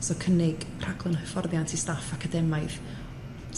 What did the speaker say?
so cynnig rhaglen hyfforddiant i staff academaidd